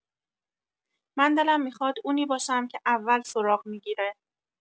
من دلم می‌خواد اونی باشم که اول سراغ می‌گیره.